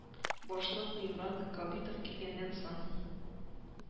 Башлык гыймран габитов килгәннән соң